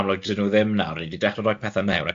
amlwg 'dyn nw ddim nawr, ni di dechre roi pethe mewn